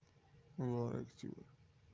muborak chevar